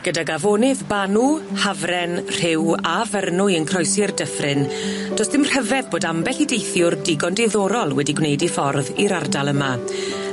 Gydag afonydd Banw, Hafren, Rhyw a Fyrnwy yn croesi'r dyffryn do's dim rhyfedd bod ambell i deithiwr digon diddorol wedi gwneud 'i ffordd i'r ardal yma.